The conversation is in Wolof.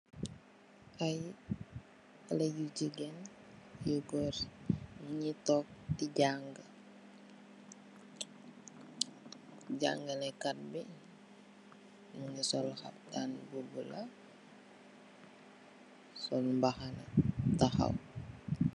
Ay xalèh yu jigéen yu gór ñi ngi tóóg di janga, jangalekai bi mugii sol xaptan bu bula sol mbàxna taxaw.